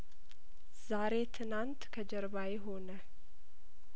ዛሬ ትላንት ከጀርባዬ ሆነ